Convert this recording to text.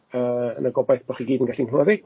Yy yn y gobaith bod chi gyd yn gallu nghlywed i.